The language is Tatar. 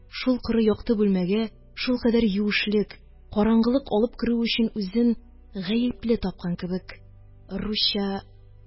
Шул коры якты бүлмәгә шулкадәр юешлек, караңгылык алып керүе өчен үзен гаепле тапкан кебек, русча: